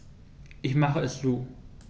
Ich mache es zu.